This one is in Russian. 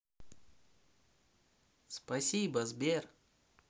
спасибо сбер